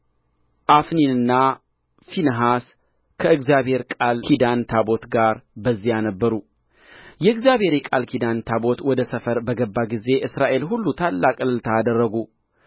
አፍኒንና ፊንሐስ ከእግዚአብሔር ቃል ኪዳን ታቦት ጋር በዚያ ነበሩ የእግዚአብሔር የቃል ኪዳን ታቦት ወደ ሰፈር በገባ ጊዜ እስራኤል ሁሉ ታላቅ እልልታ አደረጉ